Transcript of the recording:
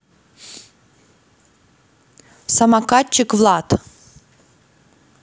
самокатчик влад